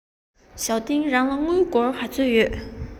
ཞའོ ཏིང རང ལ དངུལ སྒོར ག ཚོད ཡོད